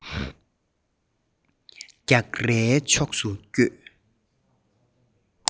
རྒྱུགས རའི ཕྱོགས སུ སྐྱོད